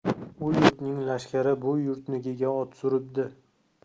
u yurtning lashkari bu yurtnikiga ot suribdi